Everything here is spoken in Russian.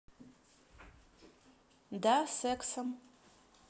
да сексом